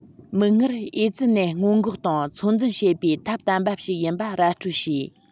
མིག སྔར ཨེ ཙི ནད སྔོན འགོག དང ཚོད འཛིན བྱེད པའི ཐབས དམ པ ཞིག ཡིན པ ར སྤྲོད བྱས